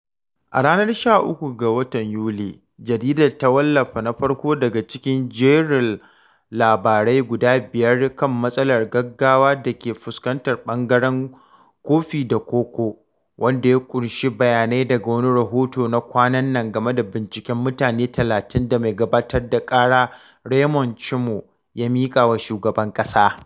A ranar 13 ga Yuli, 2010, jaridar ta wallafa na farko daga cikin jerin labarai guda biyar kan “matsalar gaggawa” da ke fuskantar ɓangaren kofi da koko, wanda ya ƙunshi bayanai daga wani rahoto na kwanan nan game da binciken mutane 30 da mai gabatar da ƙara Raymond Tchimou ya miƙa wa shugaban ƙasa.